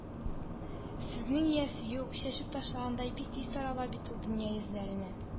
Сүзнең иясе юк, чәчеп ташлагандай, бик тиз тарала бит ул дөнья йөзләренә.